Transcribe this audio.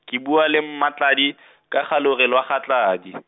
ke bua le Mmatladi , ka ga lore lwa ga Tladi.